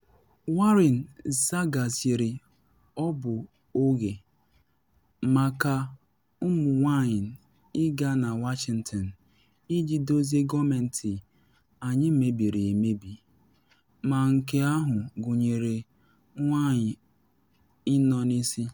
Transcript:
Warren zaghachiri ọ bụ oge “maka ụmụ nwanyị ịga na Washington iji dozie gọọmentị anyị mebiri emebi, ma nke ahụ gụnyere nwanyị ịnọ n’isi.”